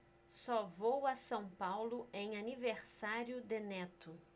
só vou a são paulo em aniversário de neto